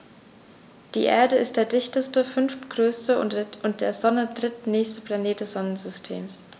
Die Erde ist der dichteste, fünftgrößte und der Sonne drittnächste Planet des Sonnensystems.